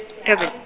Durban.